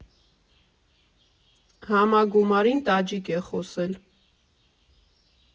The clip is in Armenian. Համագումարին տաջիկ է խոսել։